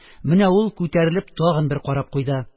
Менә ул күтәрелеп тагын бер карап куйды